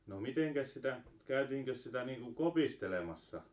no mitenkäs sitä käytiinkös sitä niin kuin kopistelemassa